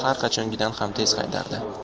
har qachongidan ham tez haydardi